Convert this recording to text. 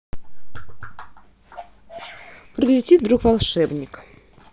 прилетит вдруг волшебник